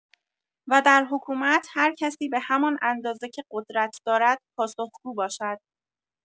و در حکومت هر کسی به همان اندازه که قدرت دارد، پاسخگو باشد.